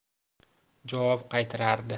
javob qaytarardi